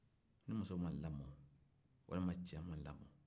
ni muso ma lamɔ walima cɛ ma lamɔ